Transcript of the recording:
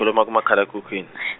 -khuluma kumakhalekhukhwini.